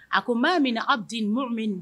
A ko' maa min abdinne miuumin